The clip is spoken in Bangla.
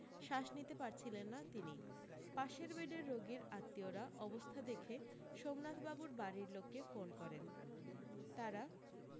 শ্বাস নিতে পারছিলেন না তিনি পাশের বেডের রোগীর আত্মীয়রা অবস্থা দেখে সোমনাথবাবুর বাড়ীর লোককে ফোন করেন তাঁরা